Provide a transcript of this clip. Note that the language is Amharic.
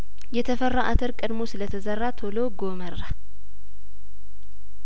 የተፈራ አተር ቀድሞ ስለተዘራ ቶሎ ጐመራ